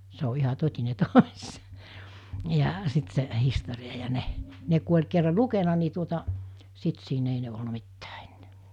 se on ihan totinen tosi ja sitten se historia ja ne ne kun oli kerran lukenut niin tuota sitten siinä ei ne ollut mitään enää